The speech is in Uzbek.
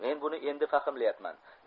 men buni endi fahmlayapman